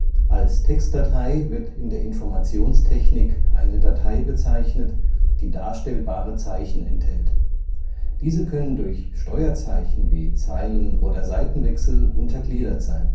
Als Textdatei wird in der Informationstechnik eine Datei bezeichnet, die darstellbare Zeichen enthält. Diese können durch Steuerzeichen wie Zeilen - und Seitenwechsel untergliedert sein